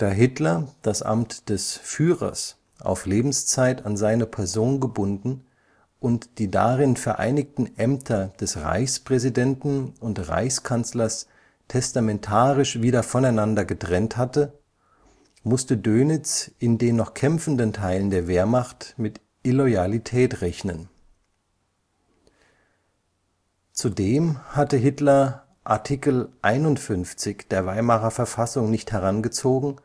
Hitler das Amt des „ Führers “auf Lebenszeit an seine Person gebunden und die darin vereinigten Ämter des Reichspräsidenten und Reichskanzlers testamentarisch wieder voneinander getrennt hatte, musste Dönitz in den noch kämpfenden Teilen der Wehrmacht mit Illoyalität rechnen. Zudem hatte Hitler Artikel 51 (Notstand) der Weimarer Verfassung nicht herangezogen